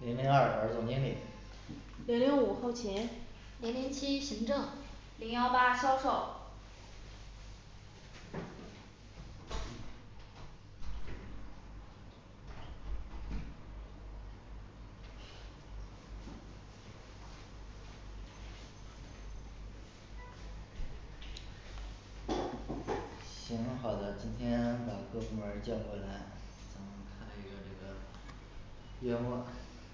零零二我是总经理零零五后勤零零七行政零幺八销售行好的今天 把各部门儿叫过来咱们开一个这个月末，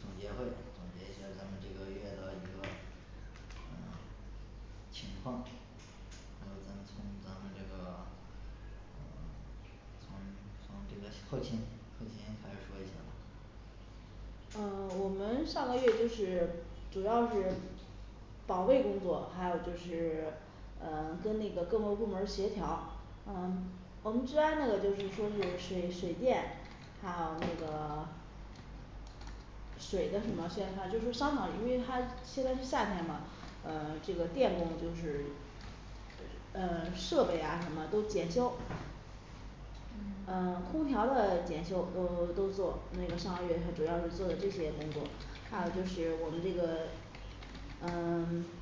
总结会总结一下咱们这个月的一个嗯情况然后咱们咱们这个 嗯 从从这个后勤后勤开始说一下吧嗯我们上个月就是主要是保卫工作还有就是 呃跟那个各个部门儿协调嗯我们治安那个就是说是水水电，还有那个 水的什么就是说商场，因为它现在是夏天嘛呃这个电工就是呃设备呀什么都检修嗯嗯空调的检修都都做，那个上个月是主要是做的这些工作还有就是我们这个嗯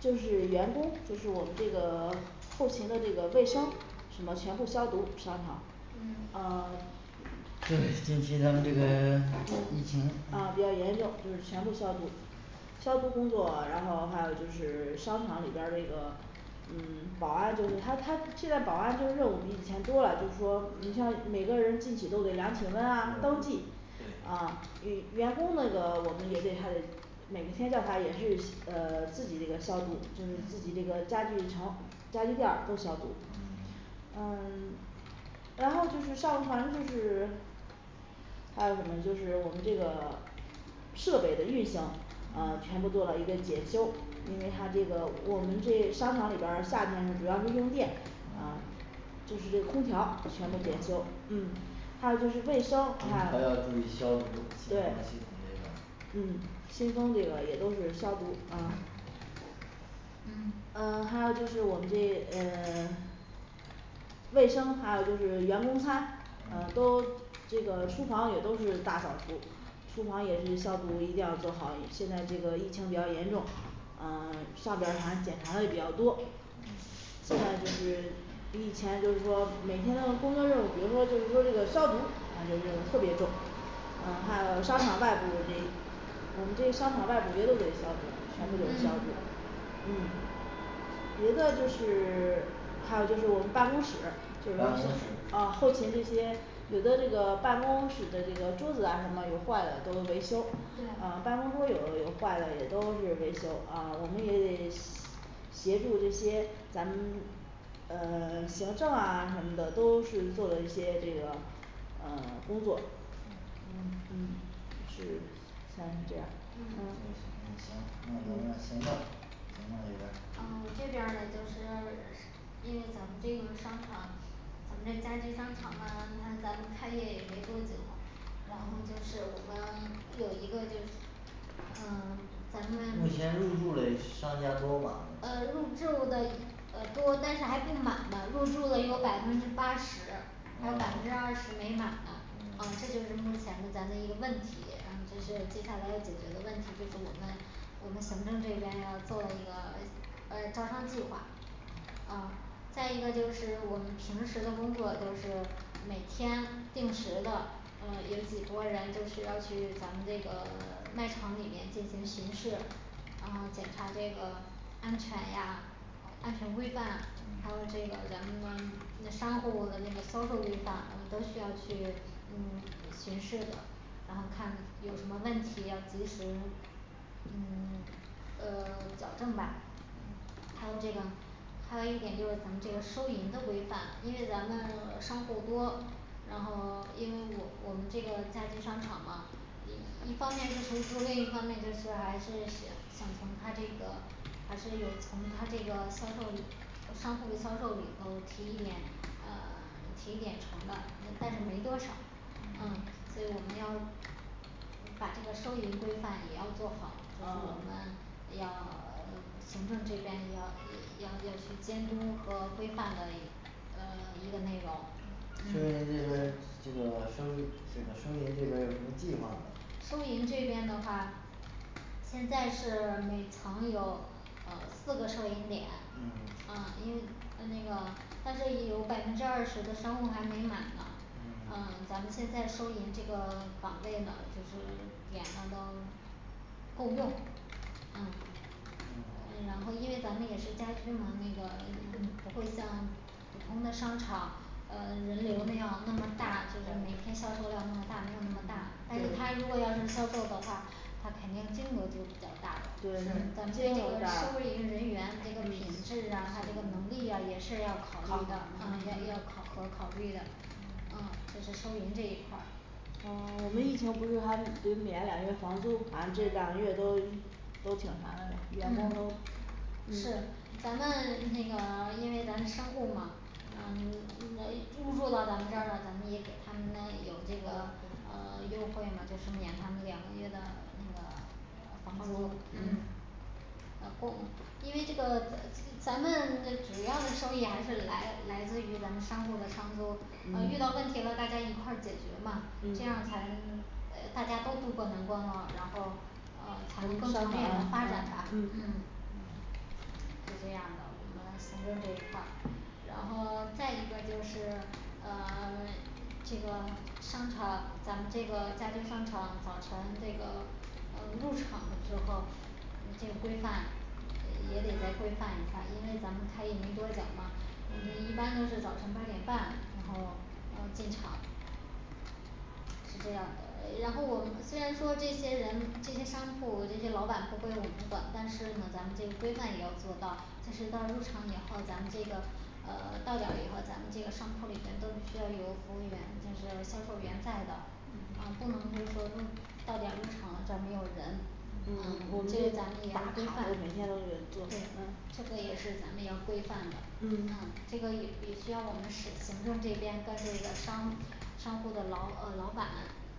就是员工就是我们这个 后勤的这个卫生什么全部消毒商场嗯嗯 对近期咱们这个 疫情啊比较严重，就是全部消毒消毒工作然后还有就是 商场里边儿那个嗯保安就是，他他现在保安就是任务比以前多了就是说你像对每个人进去都得量体温啊登对记啊员 员工那个我们也对他每一天调查也是呃自己的一个消毒，就是自己那个家具城家具店儿都消毒呃 然后就是上传就是还有什么就是我们这个设备的运行嗯全部做到一个检修，因为它这个我们这商场里边儿夏天主要是用电嗯就是这空调全部检空修调，嗯还有就是卫生，空还调有要注意消毒新对风系统这个嗯嗯新风这个也都是消毒嗯嗯嗯还有就是我们这嗯 卫生还有就是员工餐，嗯都这个厨房也都是大扫除厨房也是消毒一定要做好，现在这个疫情比较严重，嗯 上边儿还是检查的也比较多现在就是比以前就是说每天的工作任务，比如说就是说这个消毒嗯任务特别重嗯还有商场外部得我们这商场外部也都得消毒，全部给它消毒嗯嗯别的就是 还有就是我们办公室这办个公室啊后勤这些有的这个办公室的这个桌子啊什么有坏的都维修，嗯对办公桌儿也有的有坏的也都是维修，啊我们也得协助这些咱们呃 行政啊什么的都是做了一些这个嗯工作嗯嗯是现在是这样嗯嗯行那咱们行政行政这边儿嗯我这边儿呢就是因为咱们这个商场咱们这家居商场呢那咱们开业也没多久然后就是我们有一个就嗯 咱们目前嗯入入驻驻的嘞商家都满了吗呃多，但是还不满呢入住的有百分之八十还有百分之二十没满呢，啊这就是嗯目前的咱们一个问题，然后这是接下来要解决的问题，就是我们我们行政这边要做一个呃招商计划嗯再一个就是我们平时的工作，就是每天定时的嗯有几波人就是要去咱们这个 卖场里面进行巡视，然后检查这个安全呀安全规范还有这个咱们那商户的那个销售规范，我们都需要去嗯巡视的然后看有什么问题要及时 嗯 呃 矫正吧还有这个还有一点就是咱们这个收银的规范，因为咱们呃商户多然后 因为我我们这个家居商场嘛一一方面是另一方面就是还是想想从他这个还是有从他这个销售里商铺的销售里头提一点呃 提一点成的，嗯但是没多少嗯所以我们要把这个收银规范也要做好，我们要 行政这边要要要去监督和规范的一呃一个内容收银这边儿这个 收这个收银这边儿有什么计划吗嗯？收银这边的话现在是每层有呃四个收银点，嗯嗯因为那个但是也有百分之二十的商户还没满嘛。嗯嗯咱们现在收银这个岗位呢就是点了能够用嗯嗯那然后因为咱们也是家居嘛，那个不会像对对对是考嗯是，咱们那个因为咱的商户嘛嗯来入驻到咱们这儿，咱们也给他们那有这个嗯 优惠嘛，就是免他们两个月的那个房房租租，嗯嗯嗯嗯是这样的，我们行政这一块儿，然后再一个就是呃 这个商场咱们这个家居商场早晨这个嗯入场的时候这个规范呃也得来规范一下，因为咱们开业没多久嘛，因为一般都是早晨八点半，然后呃进场是这样的，然后我虽然说这些人这些商铺这些老板不归我们管，但是呢咱们这规范也要做到，但是到入场以后咱们这个呃到点儿以后咱们这个商铺里面都必须要有服务员，就是销售员在的啊嗯不能就是说入到点儿入场了，这儿没有人嗯这个咱嗯们也大要规范，堂对每天都有嗯人做嗯这个也是咱们要规范的，嗯嗯这个也也需要我们市 行政这边跟这个商商户的老呃老板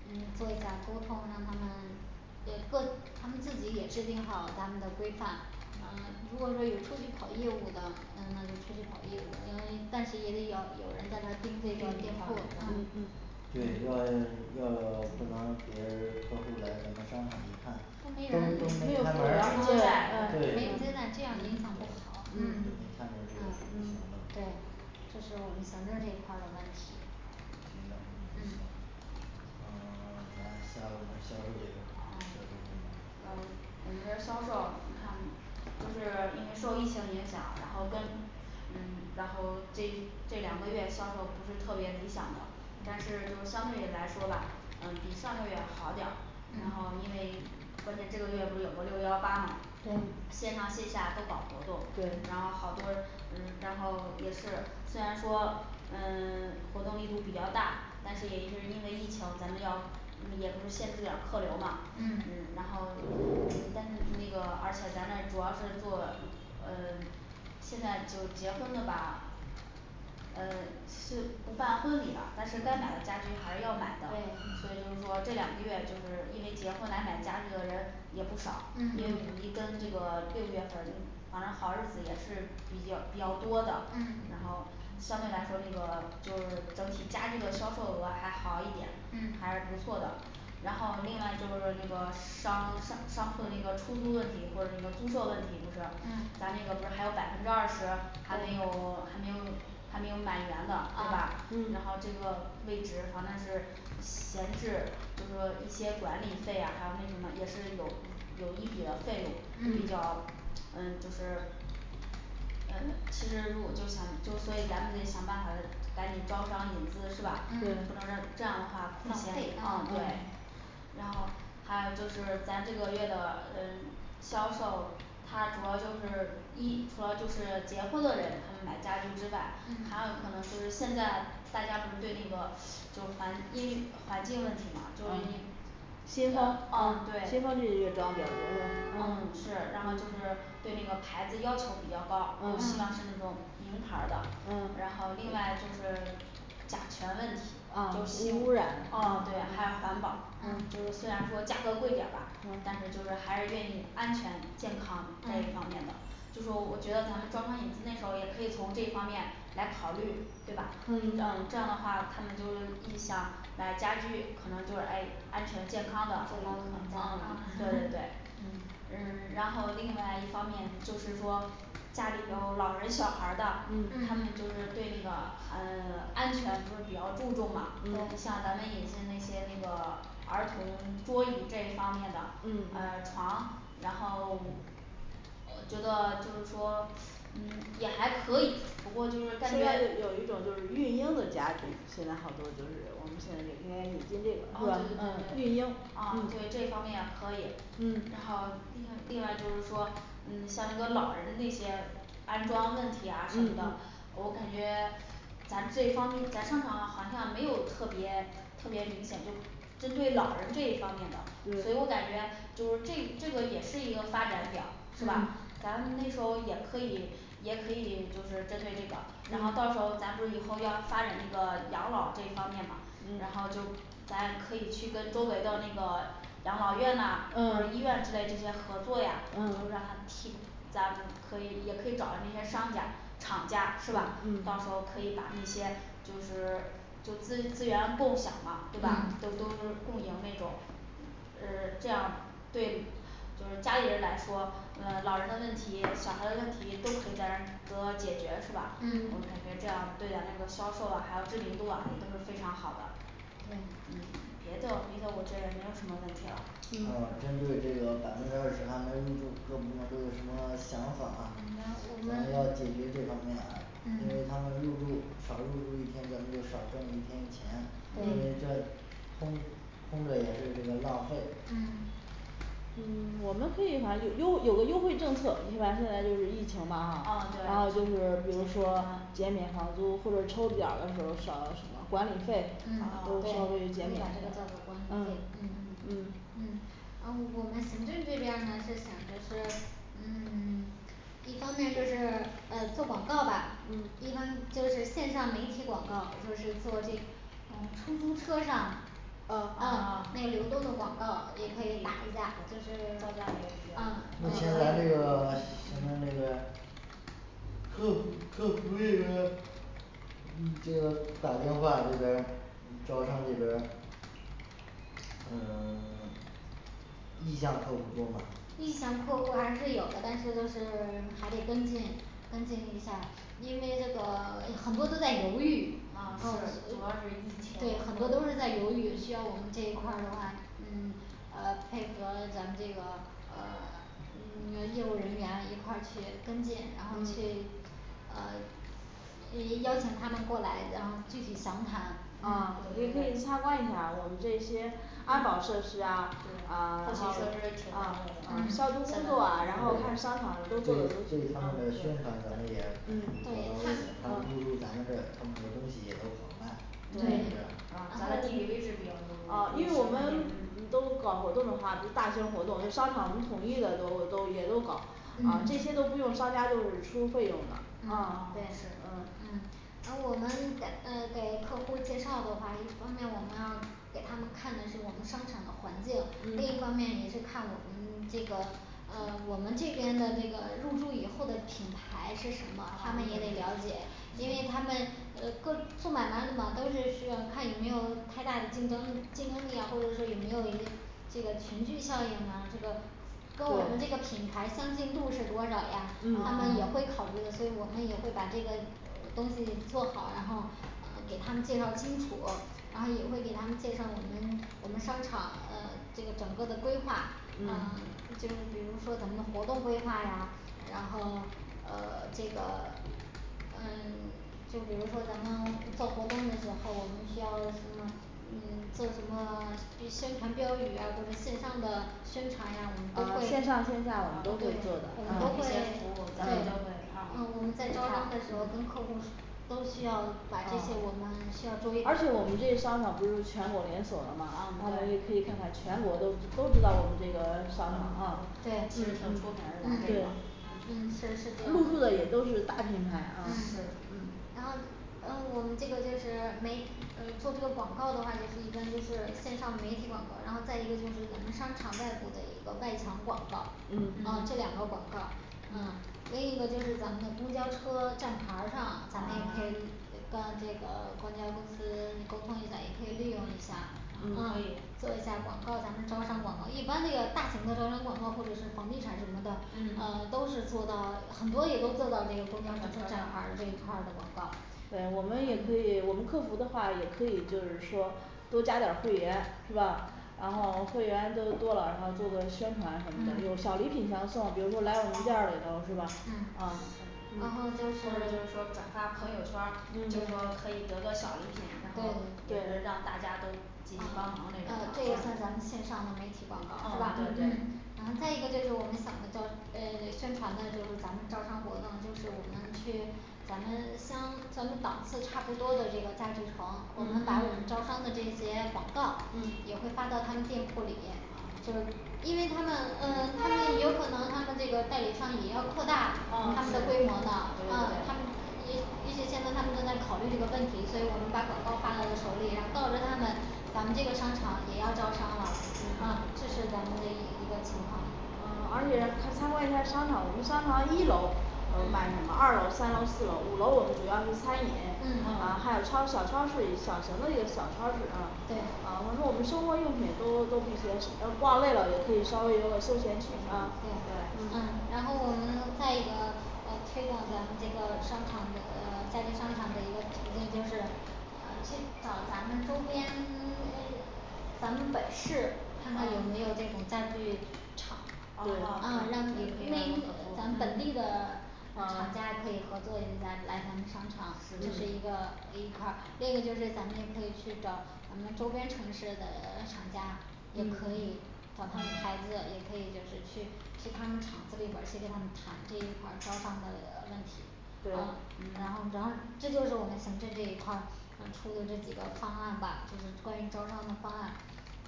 嗯做一下沟通，让他们 得个 他们自己也制定好 咱们的规范。啊 如果说有出去跑业务的，嗯那就出去跑业务，因为 但是也得有有人在那盯这个店铺嗯嗯都没人没没人有没人接待接这样影待响不好对这是我们行政这一块儿的问题。行政部门嗯儿嗯 咱下销售这边儿嗯销我们售这销部售门看儿就是因为受疫情影响，然后这跟嗯然后这这两个月销售不是特别理想的但是就相对来说吧嗯比上个月好点儿然后嗯因为关键这个月不是有个六幺八吗对线上线下都搞活动，对然后好多嗯然后也是虽然说嗯 活动力度比较大，但是也一直因为疫情咱们要嗯也不是限制点儿客流吗，嗯嗯然后但是那个而且咱这主要是做嗯现在就结婚的吧嗯是不办婚礼啦，但是该买的家具还是要买的对，所以就是说这两个月就是因为结婚来买家具的人也不少，因为嗯五一嗯跟这个六月份儿嗯反正好日子也是比较比较多的嗯然后相对来说这个就是整体家具的销售额还好一点，还是嗯不错的然后另外就是那个商厦 商铺的一个出租问题或者说租售问题，不是嗯咱这个不是还有百分之二十还没有 对还没有还没有满员的对吧啊然后这嗯个位置反正就是闲置就是说一些管理费啊还有那什么也是有有一笔的费用，比嗯较嗯就是嗯其实如就像就对于咱们得想办法的赶紧招商引资是吧？所以嗯不能让这样的话空闲浪嗯费对然后还有就是咱这个月的嗯销售他主要就是一除了就是结婚的人他们买家具之外，还有可能嗯就是现在大家不是对那个就是环因为环境问题吗就是因嗯嗯对嗯新风新风这个月装的比较多是然后就是对那个牌子要求比较高，就希望是嗯嗯那种名牌儿的，然后嗯另外就是噢噢对嗯嗯就说我觉得咱们招商引资那时候也可以从这一方面来考虑，对吧？可以嗯这样的话他们就印象买家具可能就是诶安全健康就来的我们嗯对对这对了 嗯嗯 然后另外一方面就是说家里有老人小孩儿的嗯，他们嗯就是嗯对这个嗯安全不是比较注重吗，像咱们引进那些那个儿童 桌椅这一方面的嗯床然后 我觉得就是说嗯也还可以，不过就是感觉，现噢对在对对就对噢有一对种就是孕婴的家具，现在好多就是我们现在这个孕婴这个是吧嗯孕婴这方面也可以，然后另外就是说嗯像这个老人这些安装问题啊什嗯么嗯的，我感觉咱这一方面咱商场好像没有特别特别明显就针对老人这一方面的，所以我感对觉就是这这个也是一个发展点儿是吧嗯咱那时候也可以也可以就是针对这个，然后嗯到时候咱不是以后要发展这个养老这一方面吗，然后就嗯咱也可以去跟周围的那个养老院呐或者医嗯院之类这些合作呀，都是让他嗯替咱们可以也可以找那些商家厂家是吧？到嗯时候可以把那些就是就资资源共享嘛对吧嗯？都都共赢那种呃这样对就是家里人来说嗯老人的问题小孩儿的问题都可以在这儿得到解决是吧我感嗯觉这样对咱这个销售啊还有知名度啊也都是非常好的嗯对别的别的我这儿也没有什么问题了嗯针嗯对这个百分之二十还没入驻，各部门都有什么想法，我们要解我决这方面们。因为他嗯们入驻少入驻一天咱们就少挣一天的钱因为这对空空着也是这个浪费嗯我们可以反正就优有个优惠政策，反正现在就是疫情吗啊，然后噢就对是比如说减免房租或者抽奖的时候少管理费嗯 嗯对可可以稍微减以免把这个调度管理嗯费嗯嗯嗯嗯嗯我们行政这边儿呢是想着是嗯 一方面就是 嗯做广告吧，一嗯般就是线上媒体广告就是做这从出租车上呃啊呃 那个流动的广告也可以打一下就造价也是比 嗯目较便宜前咱这个 行政这个客服客服这边儿嗯这个打电话这边儿嗯招商这边儿嗯 意向客户多吗？意向客户还是有的，但是都是 还得跟进跟进一下因为这个 很多都在犹豫啊对主要是疫，对很多情都是在犹豫，需要我们这一块儿的话嗯呃配合咱们这个呃嗯业务人员一块去跟进然后去呃诶邀请他们过来，然后具体详谈啊也可以参观一下我们这些安保设施啊后勤说是挺嗯 然后到啊位的招工工作啊对对对然后还有商场都他们的宣传咱也嗯嗯对他他们入驻们咱们这儿他们这东西也都好卖对咱的地理位置比啊较因优越为我们 都搞活动的话，大型活动这商场统一的都都也都搞。啊这些都嗯不用商家就是出费用嗯的嗯对嗯是嗯嗯然后我们敢嗯给客户介绍的话，一方面我们要给他们看的是我们商场的环境，另一方嗯面也是看我们这个嗯我们这边的这个入驻以后的品牌是什么，他们也啊得了解因为他们嗯各做买卖的嘛都是需要看有没有太大的竞争竞争力啊，或者是有没有一个这个群聚效应啊这个跟我们这个对品牌相近度是多少呀，他们也会哦考虑的，所以我们也会把这个东西做好，然后给他们介绍清楚然后也会给他们介绍我们我们商场嗯这个整个的规划嗯 就嗯比如说咱们的活动规划呀然后呃这个嗯 就比如说咱们做活动的时候我们需要什么嗯做什么必 宣传标语啊或者线上的宣传啊，我们都啊会线上啊对线下我我们们都都会会做的嗯这些服务咱们对都会啊啊我们在招商的时候跟客户都需要嗯把这些我们 需要作为嗯对嗯嗯而且我们这些嗯商场不是全国连锁的吗，然嗯后可以看对看全国都都知道我们这个 商场啊其实挺出名儿的，咱这对个嗯是是这入驻样的，的也都是大品牌嗯啊啊是然后嗯我们这个就是媒嗯做这个广告的话，就是一个就是线上媒体广告儿，然后再一个就是咱们商场外部的一个外墙广告嗯嗯，啊这两个广告儿嗯另一个就是咱们的公交车站牌儿上，咱们也嗯可以嗯跟这个公交公司沟通一下，也可以利用一下嗯嗯可以做一下广告，咱们招商广告一般这个大型的招商广告儿或者是房地产什么的嗯都是做到很多也都做到这公交汽车上嗯可以嗯站牌儿这一块儿的广告儿嗯我们也可以我们客服的话也可以就是说多加点儿会员是吧然后会员的多了然后做个宣传什么的，有嗯小礼品相送，比如说来我们店儿里头是吧嗯？啊嗯然后或者就是是说转发朋友圈儿，就是说嗯可以得个小礼品，然后对也是让大家都积极帮忙那种呃的嗯这对对个算咱们线上的媒体广告是吧？嗯然后再一个就是我们想的叫嗯宣传的就是咱们招商活动，就是我们去咱们乡咱们档次差不多的这个家具城，我们把我们招嗯嗯商的这些广告也会发到他们店铺里面就是因为他们嗯他们也有可能他们这个代理商也要扩大哦他们的规模呢是，啊他对们也对许对 也许现在他们正在考虑这个问题，所以我们把广告发到他手里，然后告知他们咱们这个商场也要招商了，嗯这是咱们的一一个情况卖什么二楼、三楼、四楼、五楼我们主要是餐饮啊嗯还有超小超市，小型的一个小超市啊，啊对那我们生活用品都都一些是呃逛累了，也可以稍微有个休闲区嗯啊，对嗯然对后我们再一个呃推广咱们这个商场的家居商场的一个途径，就是去找咱们周边 嗯咱们本市看看有没有啊这种家具厂嗯好也可以啊让那一他咱们们本嗯做地的厂家可啊以合作一下，来咱们商场，这是一个一块儿，另一个就是咱们也可以去找咱们周边城市的厂家，也可以嗯找他们牌子，也可以就是去去他们厂子里边儿去跟他们谈这一块儿招商的呃问题嗯对然后然后是这就是我们行政这一块儿呃出的这几个方案吧，就是关于招商的方案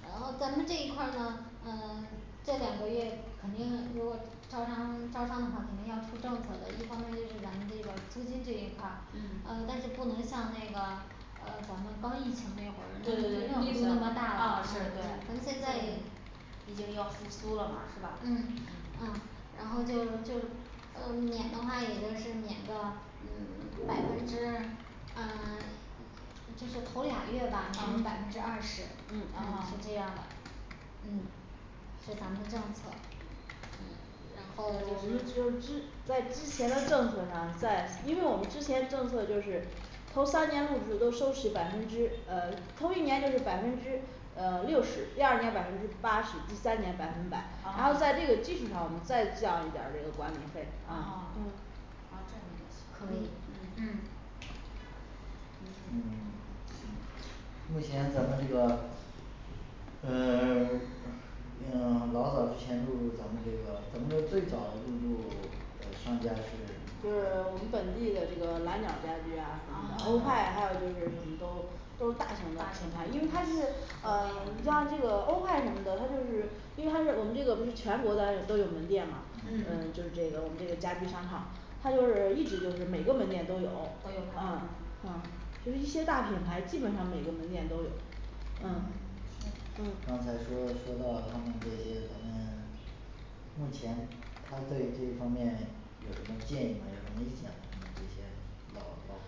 然后咱们这一块儿呢嗯 这两个月肯定如果招商招商的话肯定要出政策的，一方面就是咱们这个资金这一块儿，嗯嗯但是不能像那个呃咱们刚疫情那会儿对对力度那对么大了哦咱们是对现在毕竟要复苏了嘛是吧嗯嗯然后就就嗯免的话也就是免个嗯 百分之嗯 就就是头俩月吧免百分嗯之二十嗯嗯嗯是这样的嗯嗯这咱们的政策嗯然我后们就就是之在之前的政策上，再因为我们之前政策就是头三年入驻都收取百分之呃头一年就是百分之嗯六十，第二年百分之八十，第三年百分百，然后在这嗯个基础上我们再降一点儿这个管理费啊这可样以的嗯嗯嗯 行目前咱们这个嗯 已经老早之前入驻咱们这个咱们这最早的入驻 呃商家是大型的嗯它就是一直就是每个门店都有都有它嗯们嗯就是一些大品牌，基本上每个门店都有嗯嗯行，刚嗯才说说到他们这些，咱们 目前他对这方面有什么建议吗？有什么意见吗？这些老老客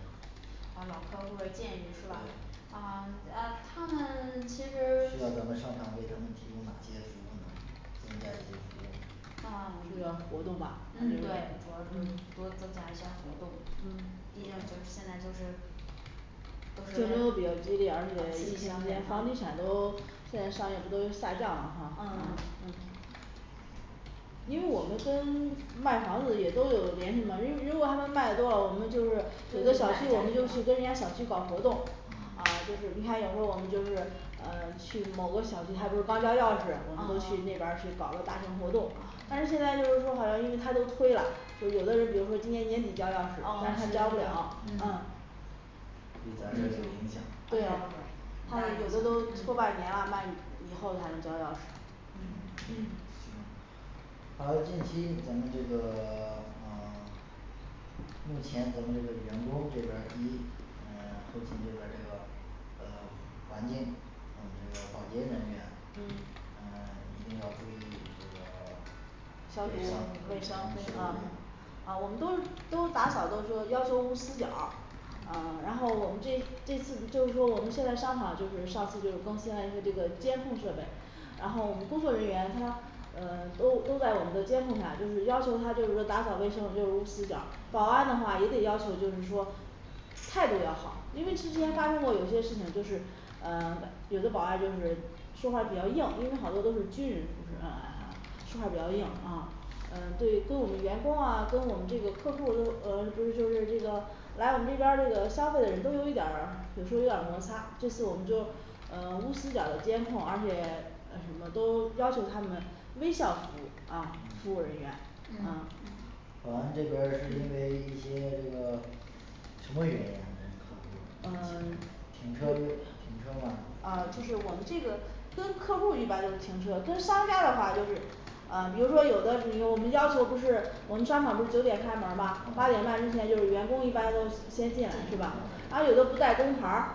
嗯老客户的建议是吧对嗯诶他们 其实，需那要咱们商场为他们提供哪些服务呢？增加一些服务噢个活动吧嗯主要对就是多增加一些活动嗯对毕竟就是现在就是都是刺竞争都比较激烈，而激消费且房地嗯产都现在商业不都下降了哈嗯因为我们跟 卖房子也都有联系嘛，因为如果他们卖的多了，我们就是有的小区我们就去跟人家小区搞活动嗯就是你看有时候我们就是嗯去某个小区，它不是刚交钥匙，我们就嗯去那边儿去搞个大型活动嗯但是现在就是说好像因为他都推了，就有的人比如说今年年底交钥嗯是是是匙，但他这嗯嗯对有很大影响对咱他有这的都嗯拖半年有了半年后影才能交钥匙响嗯嗯行还有近期咱们这个 嗯目前咱们这个员工这边儿第一，嗯后勤这边儿这个消毒卫生嗯嗯我们都都打扫都说要求无死角儿嗯然后我们这这次的就是说我们现在商场就是上次就更新了一个这个监控设备然后我们工作人员他呃 都都在我们的监控下就是要求他就是说打扫卫生就无死角儿，保安的话也得要求就是说态度要好，因为之前发生过有些事情就是，嗯 有的保安就是说话儿比较硬，因为好多都是军人出身 嗯 说话儿比较硬啊嗯对跟我们员工啊跟我们这个客户都呃就是就是这个来我们这边儿这个消费的人都有一点儿有时候有点儿摩擦，这次我们装呃无死角儿的监控，而且什么都要求他们微笑服务啊服务人员，啊嗯保安这边儿是因为一些这个什么原因啊跟客户儿嗯 停车停车吗啊就是我们这个跟客户儿一般都是停车，跟商家的话就是嗯比如说有的就是我们要求不是我们商场不是九点开门儿吗八点半嗯之前就是员工一般都进先进来是吧？嗯而有的不戴工牌儿